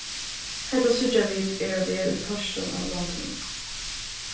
hetta síggja vit er á veg í pørtum av landinum